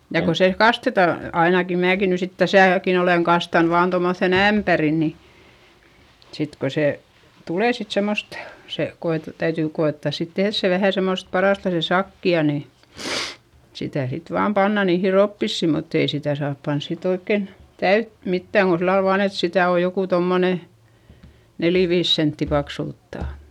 ja kun se kastetaan ainakin minäkin nyt sitten tässäkin olen kastanut vain tuommoiseen ämpäriin niin sitten kun se tulee sitten semmoista se - täytyy koettaa sitten tehdä se vähän semmoista parasta se sakea niin sitä sitten vain pannaan niihin roppisiin mutta ei sitä saa panna sitten oikein täyttä mitään kuin sillä lailla vain että sitä on joku tuommoinen neljä viisi senttiä paksulta